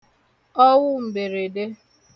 ọwụ m̀bèrède